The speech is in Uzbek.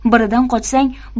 biridan qochsang